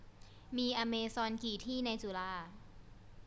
มีอเมซอนกี่ที่ในจุฬา